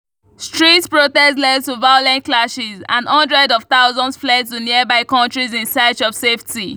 Street protests led to violent clashes, and hundreds of thousands fled to nearby countries in search of safety.”